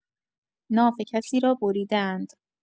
ناف کسی را بریده‌اند